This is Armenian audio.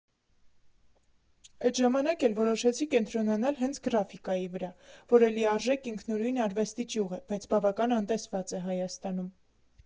Էդ ժամանակ էլ որոշեցի կենտրոնանալ հենց գրաֆիկայի վրա, որը լիարժեք ինքնուրույն արվեստի ճյուղ է, բայց բավական անտեսված է Հայաստանում։